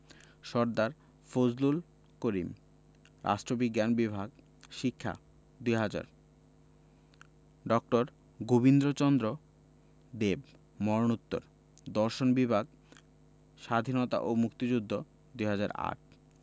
সরদার ফজলুল করিম রাষ্ট্রবিজ্ঞান বিভাগ শিক্ষা ২০০০ ড. গোবিন্দচন্দ্র দেব মরনোত্তর দর্শন বিভাগ স্বাধীনতা ও মুক্তিযুদ্ধ ২০০৮